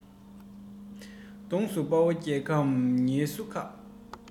གདོང བསུ དཔའ བོ རྒྱལ ཁམས ཉེས སུ ཁག